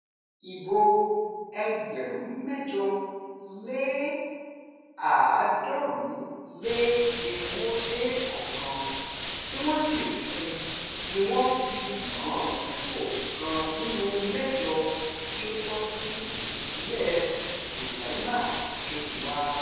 Ìbòo 8,491 tí wọ́n dì fún un ni wọ́n fi yàn án sípò kan nínúu mẹ́jọ tí ó tọ́ sí ìpínlẹ̀ Roraima tí ó ti wá.